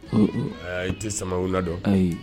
Un- un. Haa i tɛ samawula dɔn un un